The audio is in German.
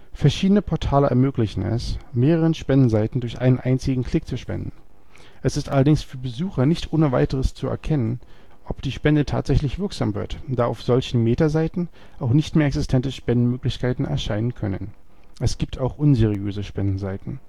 Verschiedene Portale ermöglichen es, mehreren Spendenseiten durch einen einzigen Klick zu spenden. Es ist allerdings für Besucher nicht ohne weiteres zu erkennen, ob die Spende tatsächlich wirksam wird, da auf solchen Meta-Seiten auch nicht mehr existente Spendenmöglichkeiten erscheinen können. Es gibt auch unseriöse Spendenseiten